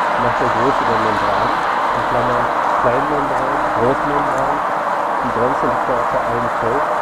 Nach der Größe der Membran (Kleinmembran/Großmembran, die Grenze liegt bei 1 Zoll